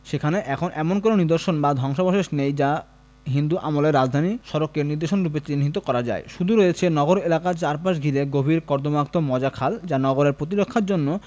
সেখানে এখন এমন কোনো নিদর্শন বা ধ্বংসাবশেষ নেই যা হিন্দু আমলের রাজধানী সড়ককে নিদর্শনরূপে চিহ্নিত করা যায় শুধু রয়েছে নগর এলাকার চারপাশ ঘিরে গভীর কর্দমাক্ত মজা খাল যা নগরের প্রতিরক্ষার জন্য